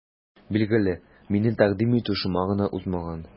Билгеле, мине тәкъдим итү шома гына узмаган.